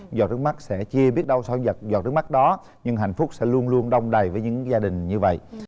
giọt nước mắt sẻ chia biết đâu sau giọt nước mắt đó những hạnh phúc sẽ luôn luôn đong đầy với những gia đình như vậy